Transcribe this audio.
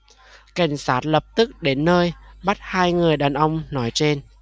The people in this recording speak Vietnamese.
cảnh sát lập tức đến nơi bắt hai người đàn ông nói trên